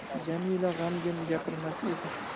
jamila g'amgin gapirmas edi